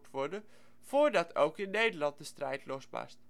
worden voordat ook in Nederland de strijd losbarst